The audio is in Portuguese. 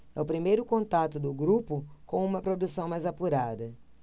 é o primeiro contato do grupo com uma produção mais apurada